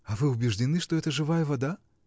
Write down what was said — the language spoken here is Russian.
— А вы убеждены, что это живая вода?